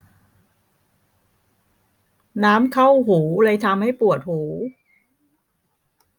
น้ำเข้าหูเลยทำให้ปวดหู